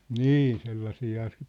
niin sellaisiahan se